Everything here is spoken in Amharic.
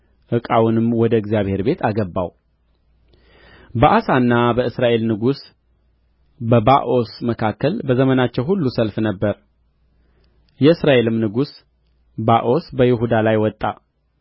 ዕቃውንም ወደ እግዚአብሔር ቤት አገባው በአሳና በእስራኤል ንጉሥ በባኦስ መካከል በዘመናቸው ሁሉ ሰልፍ ነበረ የእስራኤልም ንጉሥ ባኦስ በይሁዳ ላይ ወጣ